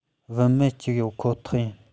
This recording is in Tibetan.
བུད མེད གཅིག ཡོད ཁོ ཐག ཡིན